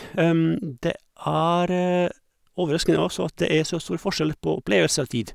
Det er overraskende også at det er så stor forskjell på opplevelse av tid.